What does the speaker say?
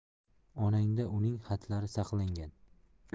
onangda uning xatlari saqlangan